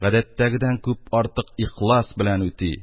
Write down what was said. Гадәттәгедән күп артык ихлас белән үти,